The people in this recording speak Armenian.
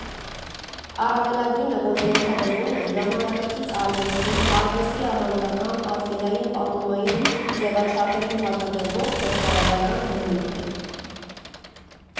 Առավելագույնը, որ ենթադրվում է, ժամանակակից արվեստի՝ արվեստի ավանդական, պատկերային֊պատումային ձևաչափերին հակադրվող «փորձարարական» բնույթն է։